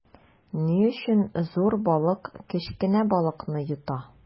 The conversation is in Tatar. Ни өчен зур балык кечкенә балыкны йота?